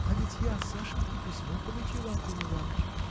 – А ведь я от Сашеньки письмо получила, Антон Иваныч!